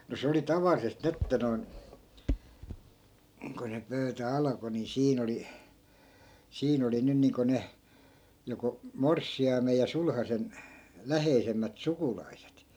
no se oli tavallisesti niin että noin kun nyt pöytä alkoi niin siinä oli siinä oli nyt niin kuin ne joko morsiamen ja sulhasen läheisemmät sukulaiset